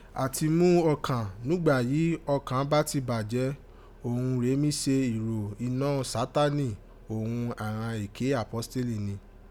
Àti mu ọ̀kan nùgbà yìí okan bá ti bàjẹ́ òghun rèé mi se ìrò inọ́ Satani òghun àghan èké apositeli rin.